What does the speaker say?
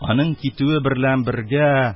Аның китүе берлән бергә